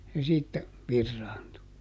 se siitä viraantui